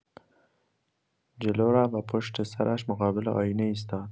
جلو رفت و پشت سرش مقابل آینه ایستاد.